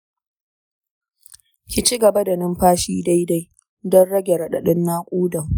ki cigaba da numfashi daidai don rage raɗaɗin naƙudan